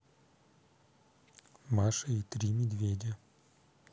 маша и три медведя